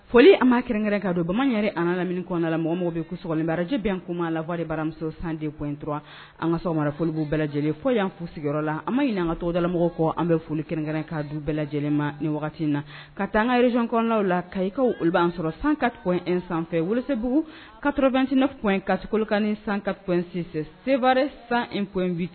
Foli a ma kɛrɛnkɛrɛn ka don baman yɛrɛ a lamkna la mɔgɔ maaw bɛ kuk barajɛbɛn kumama lawa de baramuso sandenp in dɔrɔn an ka sɔrɔ marafolo b'u bɛɛ lajɛlen fɔ y yan an fu sigiyɔrɔ la an ma ɲin an ka tɔwdalamɔgɔ kɔ an bɛ foli kɛrɛn ka du bɛɛ lajɛlen ma ni wagati in na ka taa an ka rezk kɔnɔnanaw la ka ikaw olu b' an sɔrɔ sanka in sanfɛ walasabugu kato2s7ina in kasikolokani sanka insinsin sebaare san inp in biti